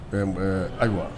Ɛɛ mb ɛɛ ayiwa